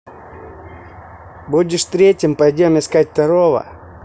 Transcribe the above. будешь третьим пойдем искать второго